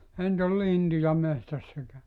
eihän nyt ole lintuja metsässä eikä